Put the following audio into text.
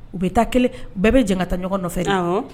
U bɛ taa kelen bɛɛ bɛ jan kata ɲɔgɔn nɔfɛ